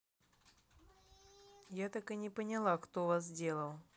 я так и не поняла кто вас сделал